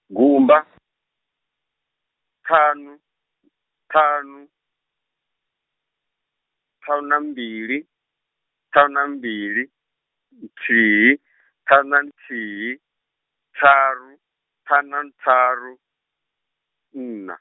gumba, ṱhanu, ṱhanu, ṱhanunammbili, ṱhanunammbili, nthiti ṱhanunanthihi, ṱharu ṱhanunanṱharu, nṋa.